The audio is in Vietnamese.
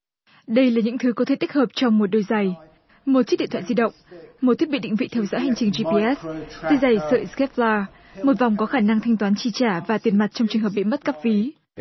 đây là những thứ có thể tích hợp cho một đôi giày một chiếc điện thoại di động một thiết bị định vị theo dõi hành trình ri phi ét dây giày sợi kép ra một vòng có khả năng thanh toán chi trả và tiền mặt trong trường hợp bị mất cắp ví